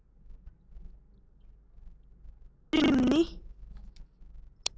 རྒྱུད རིམ གྱི